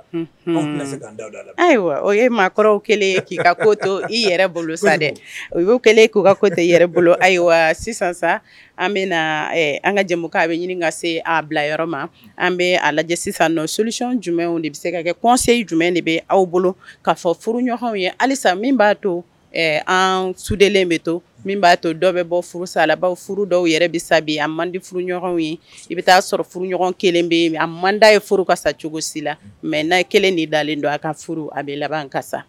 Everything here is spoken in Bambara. Ayiwa o e maa kɔrɔw kɛlen k'i ko to i yɛrɛ bolo sa dɛ o y' kɛlen k'u kako tɛ yɛrɛ bolo ayiwa sisan an bɛ an ka jɛmu a bɛ ɲini ka se a bila yɔrɔ ma an bɛ a lajɛ sisan selilisiɔn jumɛn de bɛ se ka kɛ kɔnse jumɛn de bɛ aw bolo ka fɔ furu ɲɔgɔnw ye halisa min b'a to an sude bɛ to min b'a to dɔw bɛ bɔ furu sala furu dɔw yɛrɛsa a man di furu ɲɔgɔnw ye i bɛ taaa sɔrɔ furu ɲɔgɔn kelen bɛ yen a manda ye furu ka sa cogosi la mɛ n' kelen de dalen don a ka furu a bɛ laban ka sa